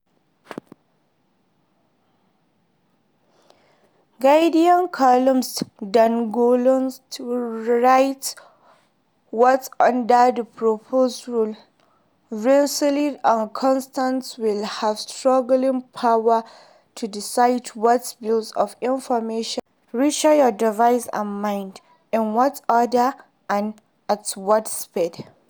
Guardian columnist Dan Gillmor writes that under the proposed rules, “Verizon and Comcast will have staggering power to decide what bits of information reach your devices and mine, in what order and at what speed.”